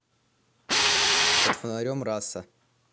под фонарем раса